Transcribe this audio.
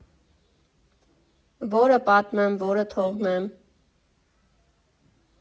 Ո՞րը պատմեմ, ո՞րը թողնեմ.